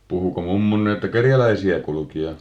puhuiko mummonne että kerjäläisiä kulki ja